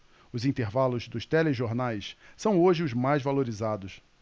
os intervalos dos telejornais são hoje os mais valorizados